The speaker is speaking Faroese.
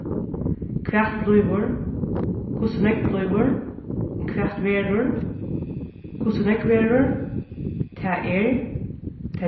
hvat blívur hvussu nógv blívur hvat verður hvussu nógv verður tað er